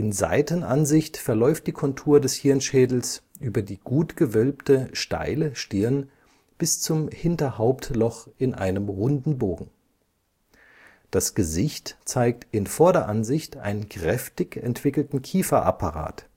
Seitenansicht verläuft die Kontur des Hirnschädels über die gut gewölbte steile Stirn bis zum Hinterhauptloch in einem runden Bogen. Das Gesicht zeigt in Vorderansicht einen kräftig entwickelten Kieferapparat